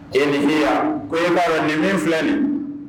E ni h ko e b'a nin ni filɛ nin